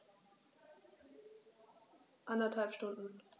Eineinhalb Stunden